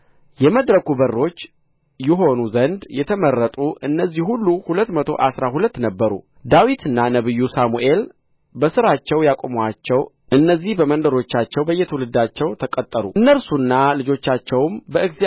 የመድረኩ በረኞች ይሆኑ ዘንድ የተመረጡ እነዚህ ሁሉ ሁለት መቶ አሥራ ሁለት ነበሩ ዳዊትና ነቢዩ ሳሙኤል በሥራቸው ያቆሙአቸው እነዚህ በመንደሮቻቸው በየትውልዳቸው ተቈጠሩ እነርሱና ልጆቻቸውም